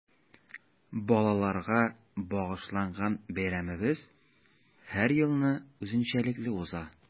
Балаларга багышланган бәйрәмебез һәр елны үзенчәлекле уза.